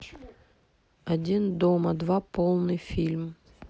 один дома два полный фильм